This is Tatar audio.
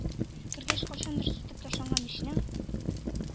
Кергәч, кайчандыр сүтеп ташланган мичнең